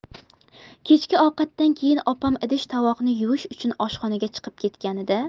kechki ovqatdan keyin opam idish tovoqni yuvish uchun oshxonaga chiqib ketganida